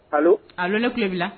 A don ne tile bila